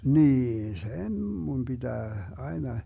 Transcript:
niin sen minun pitää aina